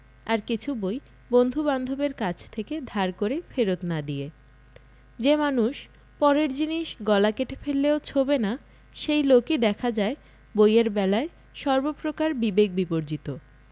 আর কিছু বই বন্ধুবান্ধবের কাছ থেকে ধার করে ফেরত্ না দিয়ে যে মানুষ পরের জিনিস গলা কেটে ফেললেও ছোঁবে না সেই লোকই দেখা যায় বইয়ের বেলায় সর্বপ্রকার বিবেক বিবর্জিত